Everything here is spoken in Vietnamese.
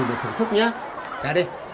thưởng thức nhá ra đi